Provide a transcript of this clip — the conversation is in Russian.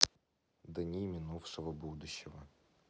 дни минувшего будущего